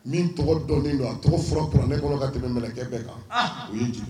Min tɔgɔ dɔn don a tɔgɔ fura kurauran ne kɔnɔ ka tɛmɛ bɛ minɛ kɛ kan o ye ji